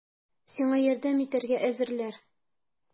Сиңа ярдәм итәргә әзерләр!